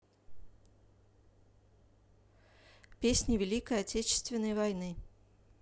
песни великой отечественной войны